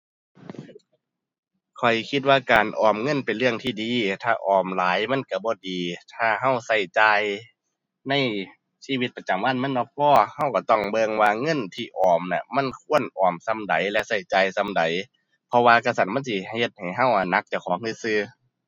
ข้อยคิดว่าการออมเงินเป็นเรื่องที่ดี ถ้าออมหลายมันก็บ่ดี ถ้าก็ก็จ่ายในชีวิตประจำวันมันบ่พอ ก็ก็ต้องเบิ่งว่าเงินที่ออมน่ะ มันควรออมส่ำใดและก็จ่ายส่ำใด เพราะว่าคันซั้นมันสิเฮ็ดให้ก็อะหนักเจ้าของซื่อซื่อ